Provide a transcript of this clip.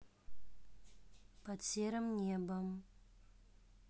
под серым небом